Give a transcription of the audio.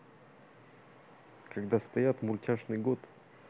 когда стоят мультяшный год